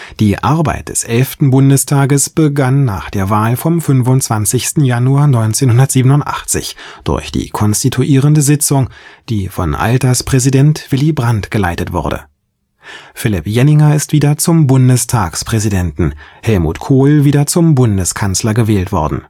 Die Arbeit des elften Bundestag begann nach der Wahl vom 25. Januar 1987 durch die konstituierende Sitzung, die von Alterspräsident Willy Brandt geleitet wurde. Philipp Jenninger ist wieder zum Bundestagspräsidenten, Helmut Kohl wieder zum Bundeskanzler gewählt worden